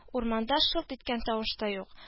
Урманда шылт иткән тавыш та юк